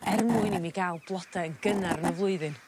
er mwyn i mi ga'l blode yn gynnar yn y flwyddyn.